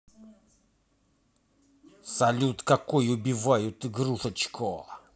салют какой убивают игрушечку